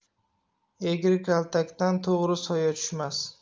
egri kaltakdan to'g'ri soya tushmas